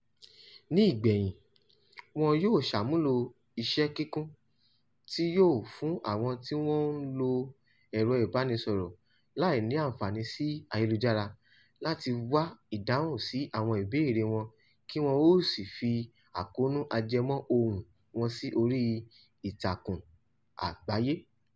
Ní ìgbẹ̀yìn, wọ́n yóò ṣàmúlò iṣẹ́ kíkún tí yóò fún àwọn tí wọ́n ń lo ẹ̀rọ ìbánisọ̀rọ̀ láì ní àǹfààní sí Ayélujára láti wá ìdáhùn sí àwọn ìbéèrè wọn kí wọn ó sì fi àkóónú ajẹmọ́ ohùn wọn sí orí ìtàkùn àgbáyé.